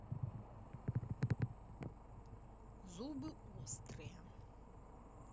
зубы острые